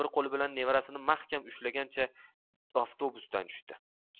bir qo'li bilan nevarasini mahkam ushlaganicha avtobusdan tushdi